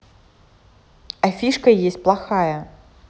а fishka есть плохая